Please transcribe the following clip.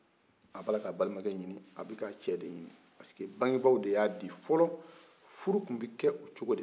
a bala ka balimankɛ ɲini a bi ka cɛ de ɲini parce que bangebaw de y'a di fɔlɔ furu tun bi kɛ o cogo de la